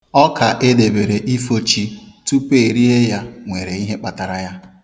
Ọka e debere ifo chi tupu erie ya nwere ihe kpatara ya.